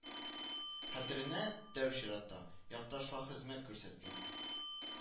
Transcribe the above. Хәтеренә, тәү чиратта, якташлахезмәт күрсәткән